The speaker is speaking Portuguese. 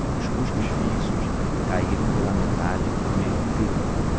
os custos fixos caíram pela metade no mesmo período